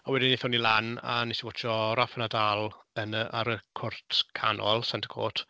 A wedyn aethon ni lan, a wnes i watsio Rafa Nadal yn y- ar y cwrt canol Centre Court.